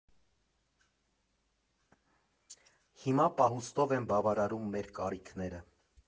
Հիմա պահուստով եմ բավարարում մեր կարիքները։